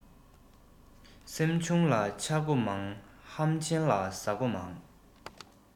སེམས ཆུང ལ ཆགས སྒོ མང ཧམ ཆེན ལ ཟ སྒོ མང